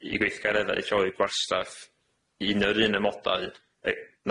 i gweithgaredda lleoli gwastraff union 'r un ymodau yy